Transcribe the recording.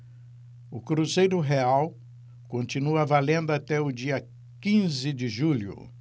o cruzeiro real continua valendo até o dia quinze de julho